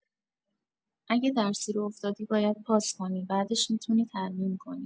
اگه درسی رو افتادی باید پاس کنی بعدش می‌تونی ترمیم کنی